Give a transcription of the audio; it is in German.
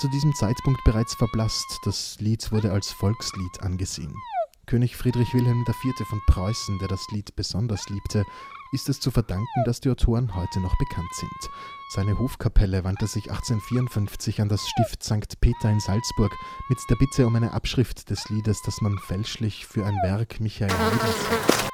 diesem Zeitpunkt bereits verblasst, das Lied wurde als Volkslied angesehen. König Friedrich Wilhelm IV. von Preußen, der das Lied besonders liebte, ist es zu verdanken, dass die Autoren heute noch bekannt sind: seine Hofkapelle wandte sich 1854 an das Stift Sankt Peter in Salzburg mit der Bitte um eine Abschrift des Liedes, das man fälschlich für ein Werk Michael Haydns hielt